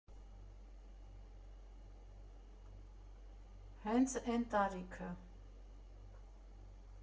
Հենց էն տարիքը։